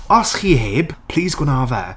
Os chi heb plis gwna fe!